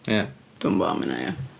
Ia... Dwi'm gwbod am hynna, ia.